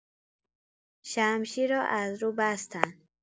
شمشیر را از رو بستن